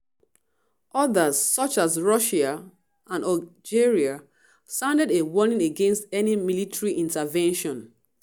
Others, such as Russia and Algeria, sounded a warning against any military intervention.